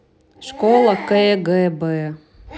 школа кгб